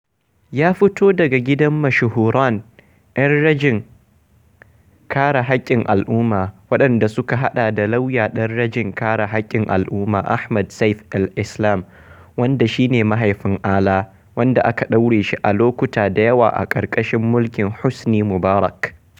Ya fito daga gidan mashahuran 'yan rajin kare haƙƙin al'umma, waɗanda suka haɗa da lauya ɗan rajin kare haƙƙin al'umma Ahmed Seif El Islam, wanda shi ne mahaifin Alaa, wanda aka ɗaure shi a lokuta da yawa a ƙarƙashin mulkin Hosni Mubarak.